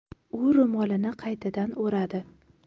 u ro'molini qaytadan o'radi